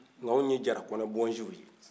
nka anw ye jara-kɔnɛ bɔnsiw ye